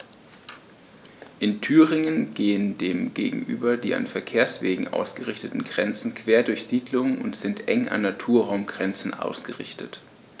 In Thüringen gehen dem gegenüber die an Verkehrswegen ausgerichteten Grenzen quer durch Siedlungen und sind eng an Naturraumgrenzen ausgerichtet.